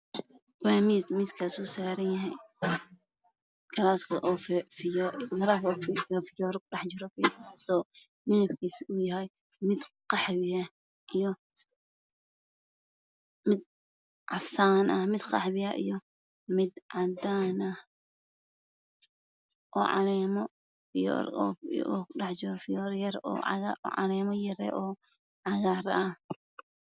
Waa miis miis kaas oo saran yahay galaas ubax kudhex juro